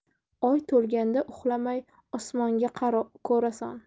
oy to'lganda uxlamay osmonga qaro ko'rason